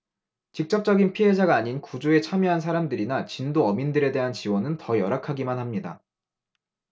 직접적인 피해자가 아닌 구조에 참여한 사람들이나 진도어민들에 대한 지원은 더 열악하기만 합니다